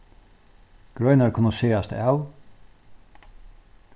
greinar kunnu sagast av